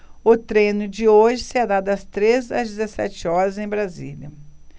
o treino de hoje será das treze às dezessete horas em brasília